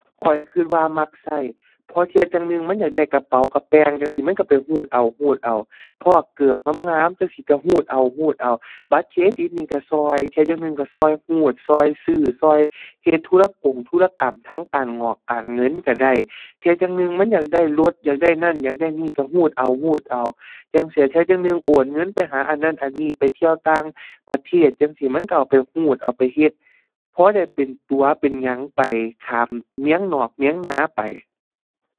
ข้อยคิดว่ามักคิด พอเที่ยจั่งหนึ่งมันอยากได้กระเป๋ากับแป้งจั่งซี้ มันคิดไปคิดเอาคิดเอา พ้อเกิบงามงามจั่งซี้คิดคิดเอาคิดเอา บัตรเครดิตนี่คิดคิด เที่ยจั่งหนึ่งคิดคิดคิดคิดซื้อคิดเฮ็ดธุรกงธุรกรรมทางการงอกการเงินคิดได้ เที่ยจั่งหนึ่งมันอยากได้รถ อยากได้นั่นอยากได้นี่คิดคิดเอาคิดเอา อย่างเซี้ย เที่ยจั่งหนึ่งโอนเงินไปหาอันนั้นอันนี้ ไปเที่ยวต่างประเทศจั่งซี้ มันคิดเอาไปคิดเอาไปเฮ็ด พอได้เป็นตั๋วเป็นหยังไป ข้ามเมืองนอกเมืองนาไป